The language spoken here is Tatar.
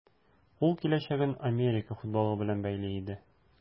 Ул киләчәген Америка футболы белән бәйли иде.